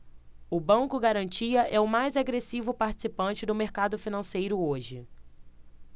o banco garantia é o mais agressivo participante do mercado financeiro hoje